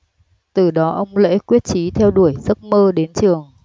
từ đó ông lễ quyết chí theo đuổi giấc mơ đến trường